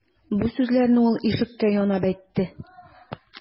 Бу сүзләрне ул ишеккә янап әйтте.